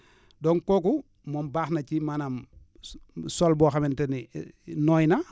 donc kooku moom baax na ci maanaam so sol boo xamante ne nooy na